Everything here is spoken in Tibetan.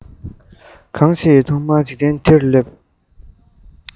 གང ཞིག ཐོག མར འཇིག རྟེན འདིར སླེབས